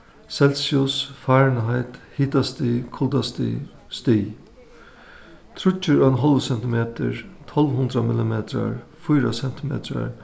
celsius fahrenheit hitastig kuldastig stig tríggir og ein hálvur sentimetur tólv hundrað millimetrar fýra sentimetrar